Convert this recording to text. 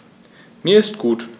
Mir ist gut.